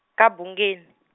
ka Bungeni.